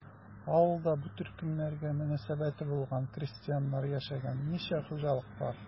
Авылда бу төркемнәргә мөнәсәбәте булган крестьяннар яшәгән ничә хуҗалык бар?